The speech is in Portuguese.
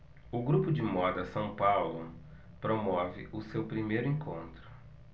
o grupo de moda são paulo promove o seu primeiro encontro